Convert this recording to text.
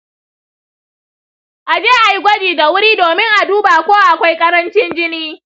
a je a yi gwaji da wuri domin a duba ko akwai ƙarancin jini.